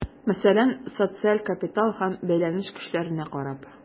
Мәсәлән, социаль капитал һәм бәйләнеш көчләренә карап.